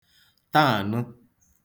taànụ